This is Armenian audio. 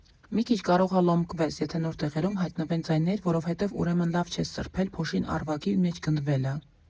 Մի քիչ կարող ա լոմկվես, եթե նոր տեղերում հայտնվեն ձայներ, որովհետև ուրեմն լավ չես սրբել, փոշին առվակի մեջ գնդվել ա։